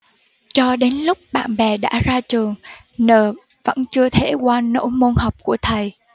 cho đến lúc bạn bè đã ra trường n vẫn chưa thể qua nổi môn học của thầy